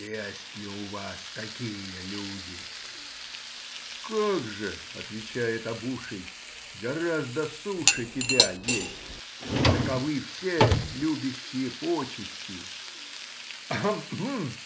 Есть ли у вас такие люди?—Как же,— отвечает обуший,— гораздо суше тебя есть — таковы все, любящие почести. — Гм!